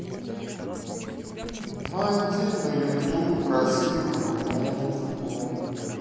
найди на ютуб красивую музыку